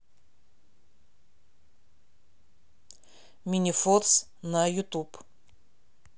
минифорс на ютуб